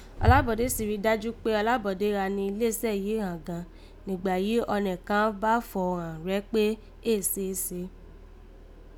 Ọlábọ̀dé sì ri i dájú kpé Ọlábọ̀dé gha ni iléesẹ́ yìí hàn gan, nìgbà yìí ọnẹ kàn bá fọ̀ ghàn rẹ́ kpé éè seé se